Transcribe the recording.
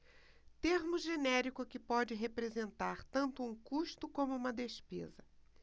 termo genérico que pode representar tanto um custo como uma despesa